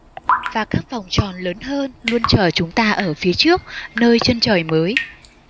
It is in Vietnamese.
và các vòng tròn lớn hơn luôn chờ chúng ta ở phía trước nơi chân trời mới